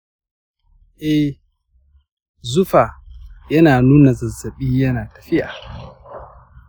eh, zufa yana nuna zazzaɓin yana tafiya.